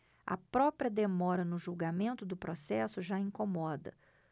a própria demora no julgamento do processo já incomoda